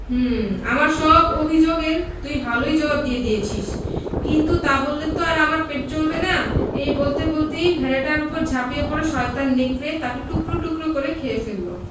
হুম আমার সব অভিযোগ এর তুই ভালই জবাব দিয়ে দিয়েছিস কিন্তু তা বললে তো আর আমার পেট চলবে না এই বলতে বলতেই ভেড়াটার উপর ঝাঁপিয়ে পড়ে শয়তান নেকড়ে তাকে টুকরো টুকরো করে খেয়ে ফেলল